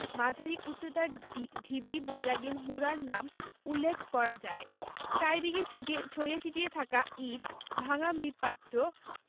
মাঝারি উচ্চতার ঢিবি বৈরাগীর মুড়ার নাম উল্লেখ করা যায় চারদিকে ছড়িয়ে ছিটিয়ে থাকা ইট ভাঙা মৃৎপাত্র